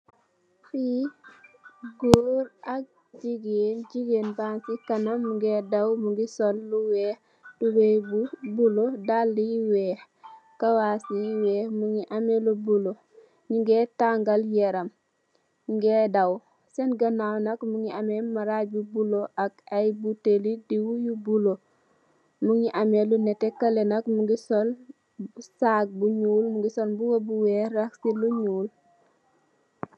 fi Goor ak gigen gigen ba ngir ci kaname munge daw mungi sol lu wex Tobey bu bula dala yu wex kawas yu wex mungi ame lu bula njuge tangal yaram njuge dawe sene ganaw mungi ame marage bu bula mungi am ay butali diw mungi ame lu nete kale tam mungi sol mbuba bu wex rax ko lu njul